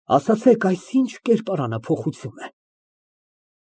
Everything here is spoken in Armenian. Ասացեք, այդ ինչ կերպարանափոխություն է։